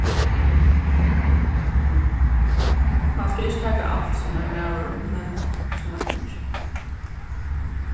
mann skal ikki taka alt sum ein maður men sum eitt menniskja